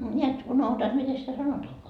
näet unohdutan et miten sitä sanotaankaan